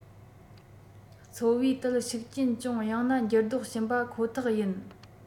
འཚོ བའི ཐད ཤུགས རྐྱེན ཅུང ཡང ན འགྱུར ལྡོག བྱིན པ ཁོ ཐག ཡིན